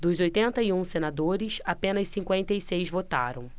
dos oitenta e um senadores apenas cinquenta e seis votaram